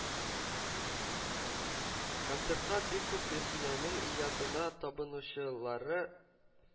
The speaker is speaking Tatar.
Концертка бик күп Гөлсинәнең иҗатына табынучылары